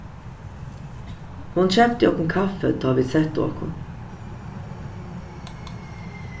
hon keypti okkum kaffi tá vit settu okkum